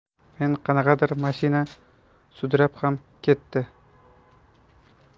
meni qanaqadir mashina sudrab ham ketdi